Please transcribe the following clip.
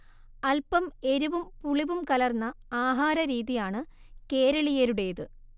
അല്പം എരിവും പുളിവും കലർന്ന ആഹാരരീതിയാണ് കേരളീയരുടേത്